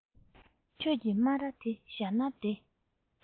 ཁྱོད ཀྱི སྨ ར དེ གཞར ན བདེ